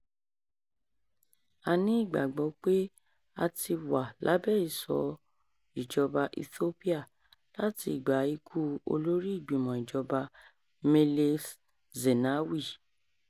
A ní ìgbàgbọ́ pé a ti wà lábẹ ìṣọ́ ìjọba Ethiopia láti ìgbà ikú Olórí Ìgbìmọ̀-ìjọba Meles Zenawi.